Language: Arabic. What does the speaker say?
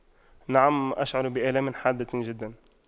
نعم أشعر بآلام حادة جدا